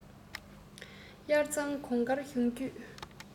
ཡར གཙང གོང དཀར གཞུང བརྒྱུད